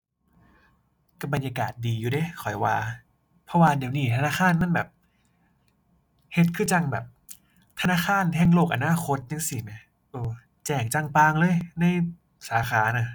ก็บรรยากาศดีอยู่เดะข้อยว่า เพราะว่าเดี๋ยวนี้ธนาคารมันแบบ เฮ็ดคือจั่งแบบธนาคารแห่งโลกอนาคตจั่งซี้แหม เออ แจ้งจ่างป่างเลยในสาขาน่ะ